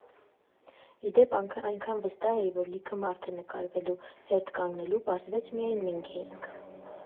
Ի դեպ, այնքան վստահ էի, որ լիքը մարդ է նկարվելու հերթ կանգնելու, պարզվեց միայն մենք էինք։